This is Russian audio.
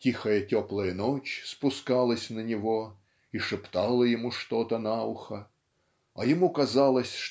Тихая теплая ночь спускалась на него и шептала ему что-то на ухо а ему казалось